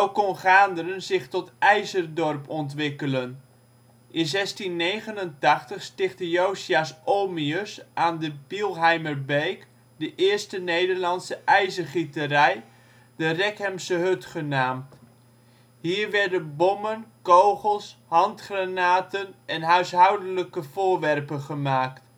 kon Gaanderen zich tot ijzerdorp ontwikkelen. In 1689 stichtte Josias Olmius aan de Bielheimerbeek de eerste Nederlandse ijzergieterij, de Rekhemse hut genaamd. Hier werden bommen, kogels, handgranaten en huishoudelijke voorwerpen gemaakt